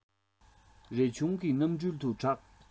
རས ཆུང གི རྣམ སྤྲུལ དུ གྲགས